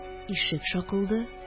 Ишек шакылды